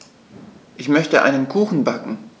Ich möchte einen Kuchen backen.